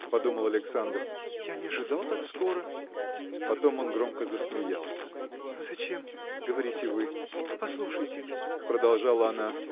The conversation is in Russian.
– подумал Александр, – я не ожидал так скоро! Потом он громко засмеялся. – Зачем? – говорите вы. Послушайте. – продолжала она.